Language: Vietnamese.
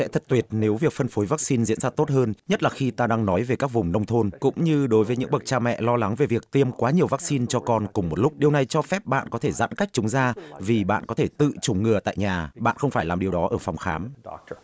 sẽ thật tuyệt nếu việc phân phối vắc xin diễn thật tốt hơn nhất là khi ta đang nói về các vùng nông thôn cũng như đối với những bậc cha mẹ lo lắng về việc tiêm quá nhiều vắc xin cho con cùng một lúc điều này cho phép bạn có thể giãn cách chúng ra vì bạn có thể tự chủng ngừa tại nhà bạn không phải làm điều đó ở phòng khám